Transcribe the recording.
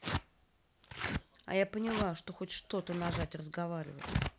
а я поняла что хоть что то нажать разговаривать